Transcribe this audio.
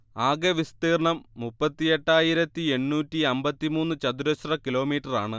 ആകെ വിസ്തീർണ്ണം മുപ്പത്തിയെട്ടായിരത്തിയെണ്ണൂറ്റിയമ്പത്തിമൂന്ന് ചതുരശ്ര കിലോമീറ്ററാണ്